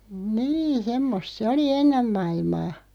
niin semmoista se oli ennen maailmaa